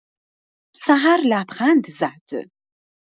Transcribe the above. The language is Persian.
سحر لبخند زد.